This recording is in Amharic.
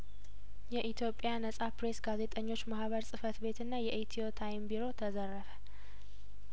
የኢትዮጵያ ነጻ ፕሬስ ጋዜጠኞች ማህበር ጽፈት ቤትና የኢትዮ ታይም ቢሮ ተዘረፈ